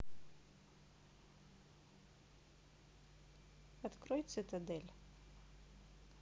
открой цитадель